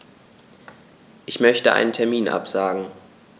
Ich möchte einen Termin absagen.